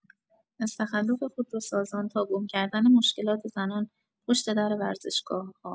از تخلف خودروسازان تا گم‌کردن مشکلات زنان پشت در ورزشگاه‌ها